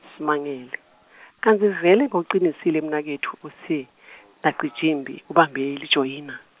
simangele , kantsi vele bowucinisile mnaketfu kutsi , naCijimphi, ubambe, lijoyina?